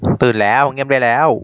ตื่นแล้วเงียบได้แล้ว